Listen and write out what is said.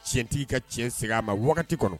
Tiɲɛ tigi ka tiɲɛ seg'a ma wagati kɔnɔ